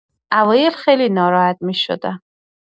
اوایل خیلی ناراحت می‌شدم.